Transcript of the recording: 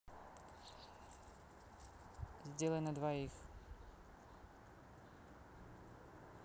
сделай на двоих